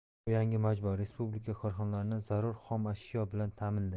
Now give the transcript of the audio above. bu yangi majmua respublika korxonalarini zarur xom ashyo bilan ta'minlaydi